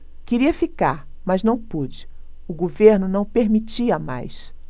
queria ficar mas não pude o governo não permitia mais